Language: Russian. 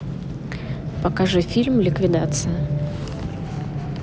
покажи фильм ликвидация